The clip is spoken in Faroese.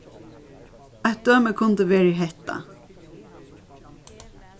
eitt dømi kundi verið hetta